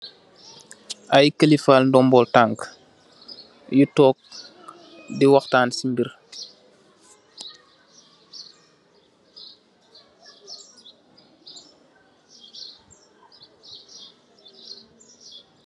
Ay kalifa nomba tan'k.